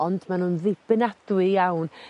ond ma' nw'n ddibynadwy iawn.